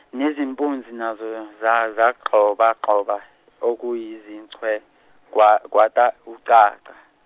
nezimpunzi nazo za- zagxobagxoba okuyizinchwe kwa- kwata- ucaca.